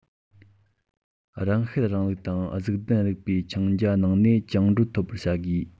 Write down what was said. རང ཤེད རིང ལུགས དང གཟུགས འདས རིག པའི འཆིང རྒྱའི ནང ནས བཅིངས འགྲོལ ཐོབ པར བྱ དགོས